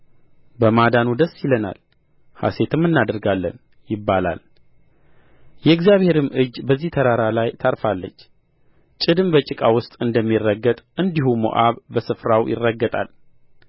በማዳኑ ደስ ይለናል ሐሤትም እናደርጋለን ይባላል የእግዚአብሔርም እጅ በዚህ ተራራ ላይ ታርፋለች ጭድም በጭቃ ውስጥ እንደሚረገጥ እንዲሁ ሞዓብ በስፍራው ይረገጣል